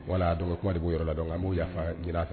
Wala'a dɔn kumadi b yɔrɔ la dɔn a b'u yafa jira fɛ